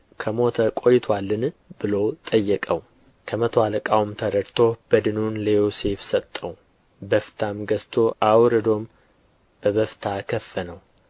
ከሞተ ቆይቶአልን ብሎ ጠየቀው ከመቶ አለቃውም ተረድቶ በድኑን ለዮሴፍ ሰጠው በፍታም ገዝቶ አውርዶም በበፍታ ከፈነው